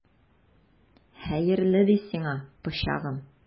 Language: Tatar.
Хәерле ди сиңа, пычагым!